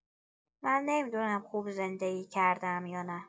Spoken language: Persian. من نمی‌دونم خوب زندگی کردم یا نه.